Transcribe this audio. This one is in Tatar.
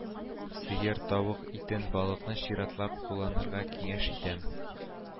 Сыер, тавык итен, балыкны чиратлап кулланырга киңәш итәм